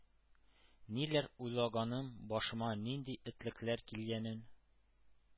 Ниләр уйлаганым, башыма нинди ”этлекләр“ килгәнен